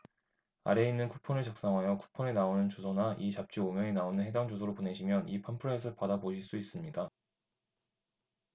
아래에 있는 쿠폰을 작성하여 쿠폰에 나오는 주소나 이 잡지 오 면에 나오는 해당 주소로 보내시면 이 팜플렛을 받아 보실 수 있습니다